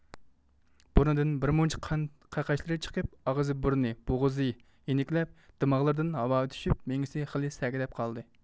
بۇرنىدىن بىرمۇنچە قان قەقەچلىرى چىقىپ ئاغزى بۇرنى بوغۇزى يېنىكلەپ دىماغلىرىدىن ھاۋا ئۆتۈشۈپ مېڭىسى خېلى سەگىدەپ قالدى